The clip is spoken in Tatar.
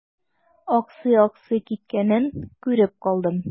Аксый-аксый киткәнен күреп калдым.